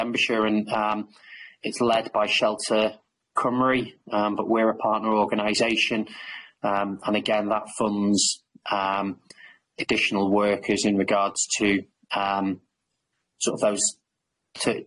Denbighshire and um it's led by shelter Cymru um but we're a partner organisation um and again that funds um additional workers in regards to um sort of those to